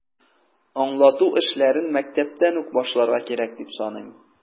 Аңлату эшләрен мәктәптән үк башларга кирәк, дип саныйм.